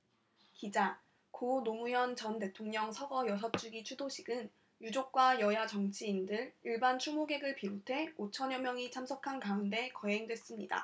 기자 고 노무현 전 대통령 서거 여섯 주기 추도식은 유족과 여야 정치인들 일반 추모객을 비롯해 오 천여 명이 참석한 가운데 거행됐습니다